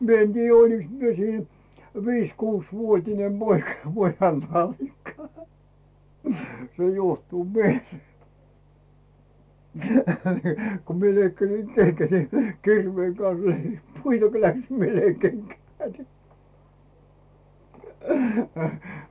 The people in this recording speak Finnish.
minä en tiedä olinkos minä siinä viisi kuusivuotinen poika pojan nallikka se juohtuu mieleen kun minä leikkasin kengät niin kirveen kanssa - puita kun lähdin minä löin kenkään niin